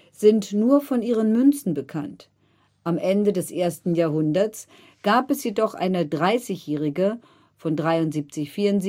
sind nur von ihren Münzen bekannt. Am Ende des ersten Jahrhunderts gab es jedoch eine dreißigjährige (von 73/4